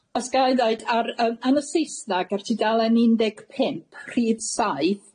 Os ga i ddeud ar yym, yn y Saesneg ar tudalen un deg pump, rhif saith.